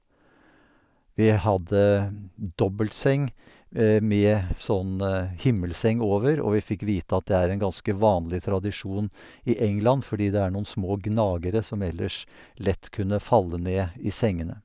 Vi hadde dobbeltseng med f sånn himmelseng over, og vi fikk vite at det er en ganske vanlig tradisjon i England, fordi det er noen små gnagere som ellers lett kunne falle ned i sengene.